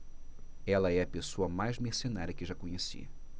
ela é a pessoa mais mercenária que já conheci